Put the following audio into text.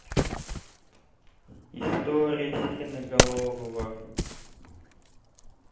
история сиреноголового